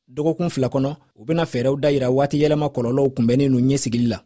dɔgɔkun fila kɔnɔ u bɛna fɛɛrɛw dajira waatiyɛlɛma kɔlɔlɔw kunbɛnni n'u ɲɛsigili la